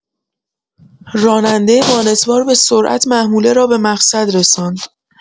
راننده وانت‌بار به‌سرعت محموله را به مقصد رساند.